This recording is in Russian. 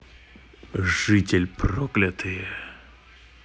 житель проклятые